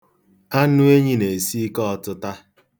Anụ enyi na-esi ike ọtịta.